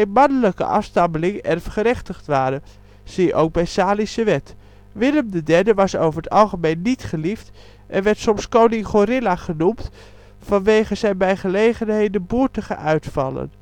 mannelijke afstammelingen erfgerechtigd waren (zie ook bij Salische Wet). Willem III was over het algemeen niet geliefd en werd soms Koning Gorilla genoemd vanwege zijn bij gelegenheden boertige uitvallen